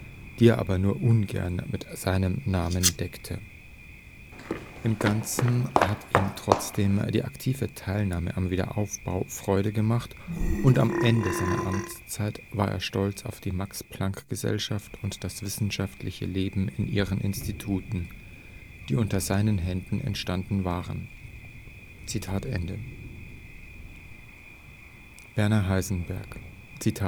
die er aber nur ungern mit seinem Namen deckte. Im ganzen hat ihm trotzdem die aktive Teilnahme am Wiederaufbau Freude gemacht, und am Ende seiner Amtszeit war er stolz auf die Max-Planck-Gesellschaft und das wissenschaftliche Leben in ihren Instituten, die unter seinen Händen entstanden waren. “– Werner Heisenberg „ So